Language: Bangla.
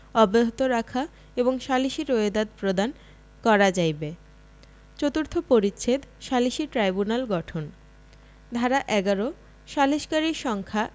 অব্যাহত রাখা এবং সালিসী রোয়েদাদ প্রদান করা যাইবে চতুর্থ পরিচ্ছেদ সালিসী ট্রাইব্যুনাল গঠন ধারা ১১ সালিসকারীর সংখ্যা